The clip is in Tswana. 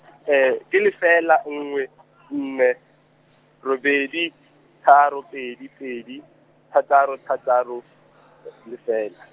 ke lefela nngwe, nne, robedi, tharo pedi pedi, thataro thataro, lefela.